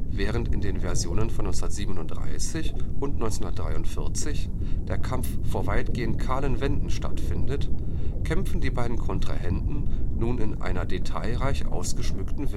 Während in den Versionen von 1937 und 1943 der Kampf vor weitgehend kahlen Wänden stattfindet, kämpfen die beiden Kontrahenten nun in einer detailreich ausgeschmückten